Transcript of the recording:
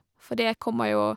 For det kommer jo...